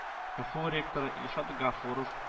КФУ ректоры Илшат Гафуров